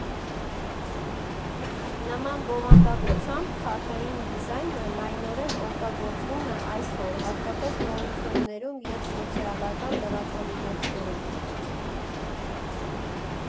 Նման բովանդակությամբ քարտային դիզայնը լայնորեն օգտագործվում է այսօր, հատկապես նորություններում և սոցիալական լրատվամիջոցներում։